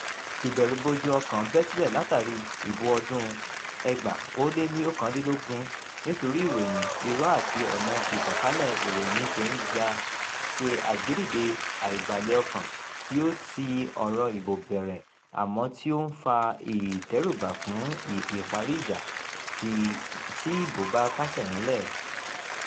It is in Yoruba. Ìbẹ̀rùbojo ọkàn bẹ́ sílẹ̀ látàrí ìbò ọdún-un 2019 nítorí ìròyìn irọ́ àti ọ̀nà ìtànkálẹ̀ ìròyìn ń ṣe àgbédìde àìbalẹ̀ ọkàn tí ó ti ọ̀rọ̀ ìbò bẹ̀rẹ̀ àmọ́ tí ó ń fa "ìdẹ́rùbà fún ìparí-ìjà tí ìbòó bá kásẹ̀ ńlẹ̀ ".